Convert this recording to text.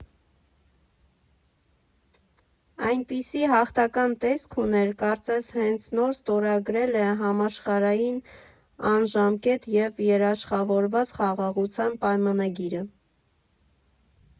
Այնպիսի հաղթական տեսք ուներ, կարծես հենց նոր ստորագրել է համաշխարհային անժամկետ և երաշխավորված խաղաղության պայմանագիրը։